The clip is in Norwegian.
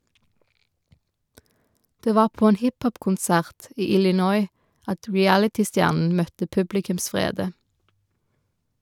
Det var på en hiphop-konsert i Illinois at realitystjernen møtte publikums vrede.